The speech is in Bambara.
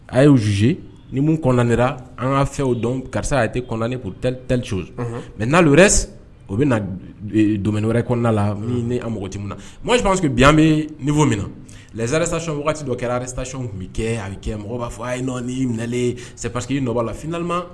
A' yezue ni minnu kɔnɔnara an ka fɛ o dɔn karisa a tɛ pli cogo mɛ n' yɛrɛ u bɛ na don wɛrɛ kɔnɔna la niti minna na mɔgɔ bi an bɛ nin fɔ min na zsare sacɔn waati wagati dɔ kɛrare sayɔn tun bɛ kɛ a bɛ kɛ mɔgɔ b'a fɔ a ye nɔ minɛlen sɛ pasiki nɔ la finalima